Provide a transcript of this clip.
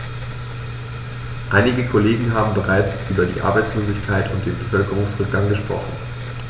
Einige Kollegen haben bereits über die Arbeitslosigkeit und den Bevölkerungsrückgang gesprochen.